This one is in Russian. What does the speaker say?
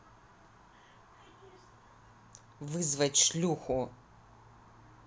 вызвать шлюху